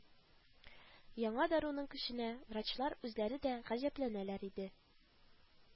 Яңа даруның көченә врачлар үзләре дә гаҗәпләнәләр иде